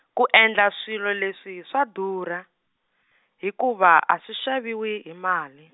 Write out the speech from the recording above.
ku endla swilo leswi swa durha , hikuva a swi xaviwi hi mali.